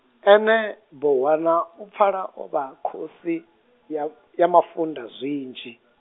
ene Bohwana, u pfala o vha khosi, ya ya mafunda zwinzhi.